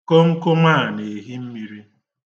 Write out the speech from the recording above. Komkom a na-ehi mmiri.